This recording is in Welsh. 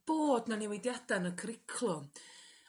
bod 'na newidiada' yn y cwricwlwm